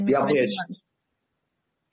Ia plis.